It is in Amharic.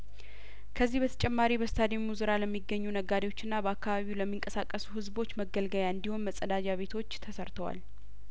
ከዚህ በተጨማሪ በስታዲ ያሙ ዙሪያ ለሚገኙ ነጋዴዎችና በአካባቢው ለሚንቀሳቀሱ ህዝቦች መገልገያ እንዲሆን መጸዳጃ ቤቶች ተሰርተዋል